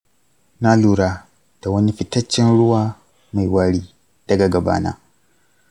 na lura da wani fitaccen ruwa mai wari daga gaba na.